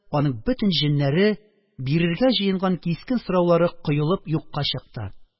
Аның бөтен җеннәре, бирергә җыенган кискен сораулары коелып юкка чыкты